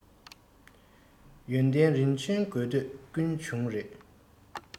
ཡོན ཏན རིན ཆེན དགོས འདོད ཀུན འབྱུང རེད